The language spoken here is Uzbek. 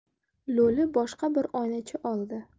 lo'li boshqa bir oynacha oldi